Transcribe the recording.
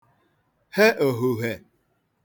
he òhùhè